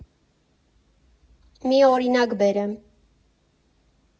Մի օրինակ բերեմ։